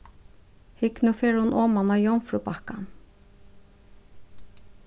hygg nú fer hon oman á jomfrúbakkan